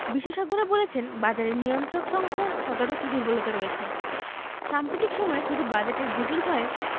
বিশেষজ্ঞরা বলছেন বাজারে নিয়ন্ত্রক সংস্থার তদারকি দুর্বলতা রয়েছে সাম্প্রতিক সময়ে শুধু বাজেটের জুজুর ভয়ে